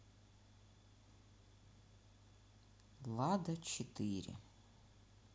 лада четыре